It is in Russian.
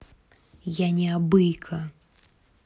я не абыйка